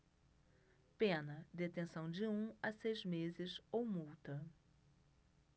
pena detenção de um a seis meses ou multa